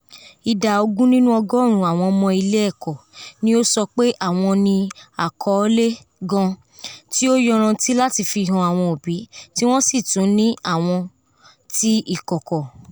Ida ogun nínú ọgorun awọn ọmọ ile ẹkọ ni o sọ pe awọn ni akọọlẹ ‘’gan’’ ti o yanranti lati fihan awọn obi, ti wọn si tun ni awọn ti ikọkọ.